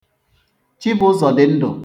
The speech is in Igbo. Chibụzọ dị ndụ